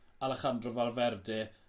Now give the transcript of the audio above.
Alejandro Valverde